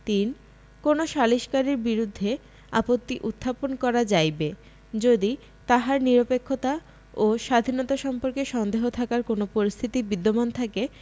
৩ কোন সালিসকারীর বিরুদ্ধে আপত্তি উত্থাপন করা যাইবে যদি তাহার নিরপেক্ষতা ও স্বাধীনতা সম্পর্কে সন্দেহ থাকার কোন পরিস্থিতি বিদ্যমান থাকে